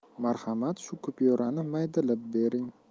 marhamat shu kupyurani maydalab bering